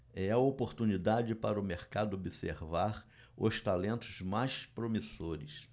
é a oportunidade para o mercado observar os talentos mais promissores